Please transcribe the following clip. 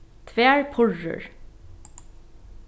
tvær purrur